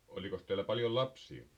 olikos teillä paljon lapsia